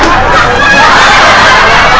thôi nằm đàng hoàng đi bà